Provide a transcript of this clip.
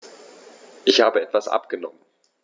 Ich habe etwas abgenommen.